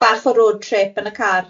Bach o road trip yn y car.